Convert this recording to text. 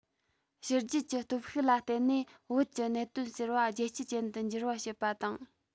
ཕྱི རྒྱལ གྱི སྟོབས ཤུགས ལ བརྟེན ནས བོད ཀྱི གནད དོན ཟེར བ རྒྱལ སྤྱི ཅན དུ འགྱུར བ བྱེད པ དང